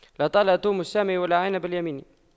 لا طال توت الشام ولا عنب اليمن